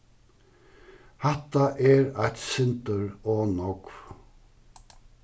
hatta er eitt sindur ov nógv